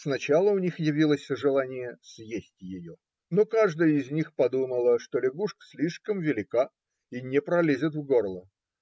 Сначала у них явилось желание съесть ее, но каждая из них подумала, что лягушка слишком велика и не пролезет в горло.